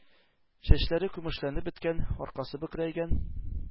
Чәчләре көмешләнеп беткән, аркасы бөкрәйгән,